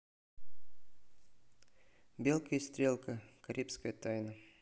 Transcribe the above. белка и стрелка карибская тайна